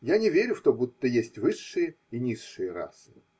Я не верю в то, будто есть высшие и низшие расы.